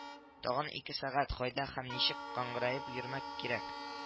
Тагын ике сәгать кайда һәм ничек каңгыраеп йөрмәк кирәк